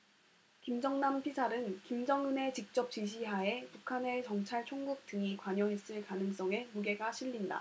김정남 피살은 김정은의 직접 지시 하에 북한의 정찰총국 등이 관여했을 가능성에 무게가 실린다